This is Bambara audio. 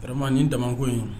Adama nin dako in